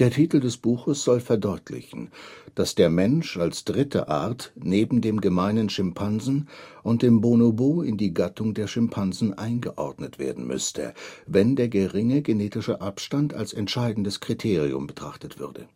Titel des Buches soll verdeutlichen, dass der Mensch als dritte Art neben dem Gemeinen Schimpansen und dem Bonobo in die Gattung der Schimpansen eingeordnet werden müsste, wenn der geringe genetische Abstand als entscheidendes Kriterium betrachtet würde